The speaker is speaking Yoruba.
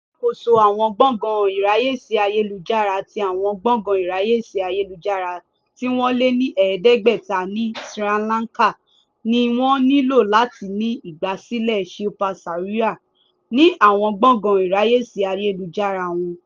Gbogbo àwọn alákòóso àwọn gbọ̀ngàn ìráàyèsí ayélujára ti àwọn gbọ̀ngán ìráàyèsí ayélujára tí wọ́n lé ní 500 ní Sri Lanka ni wọ́n nílò láti ní ìgbàsílẹ̀ Shilpa Sayura ní àwọn gbọ̀ngàn ìráàyèsí ayélujára wọn.